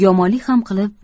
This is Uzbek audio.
yomonlik ham qilib